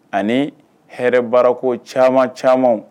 Ani hɛrɛbaarako caman caman.